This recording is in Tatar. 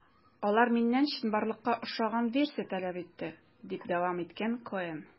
Алар миннән чынбарлыкка охшаган версия таләп итте, - дип дәвам иткән Коэн.